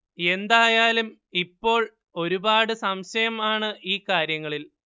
എന്തായാലും ഇപ്പോൾ ഒരുപാട് സംശയം ആണ് ഈ കാര്യങ്ങളിൽ